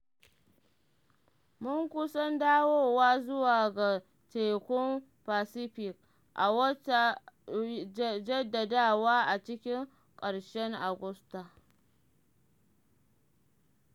“Mun kusan dawowa zuwa ga Tekun Pacific,” a wata jaddadawa a cikin ƙarshen Agusta.